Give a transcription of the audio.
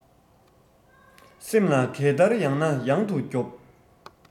སེམས ལ གད བདར ཡང ནས ཡང དུ རྒྱོབ